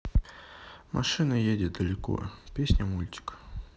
машина едет далеко песня мультик